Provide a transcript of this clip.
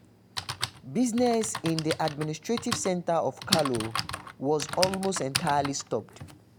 Business in the administrative center of Kalou was almost entirely stopped.